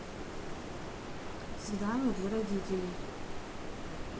свидание для родителей